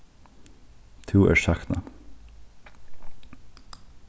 tú ert saknað